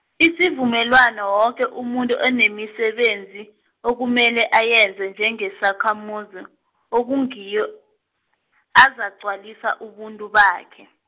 isivumelwano woke umuntu unemisebenzi, okumele ayenze njengesakhamuzi, okungiyo, ezagcwalisa ubuntu bakhe.